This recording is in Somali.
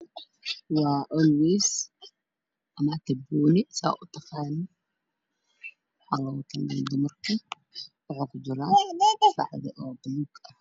Waa miis ama tabuuni saa u taqaaniin wuxu ku jiraa bacda oo buluug ah